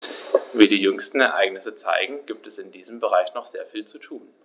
Wie die jüngsten Ereignisse zeigen, gibt es in diesem Bereich noch sehr viel zu tun.